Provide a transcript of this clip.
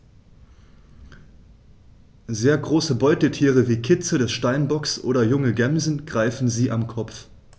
Sehr große Beutetiere wie Kitze des Steinbocks oder junge Gämsen greifen sie am Kopf.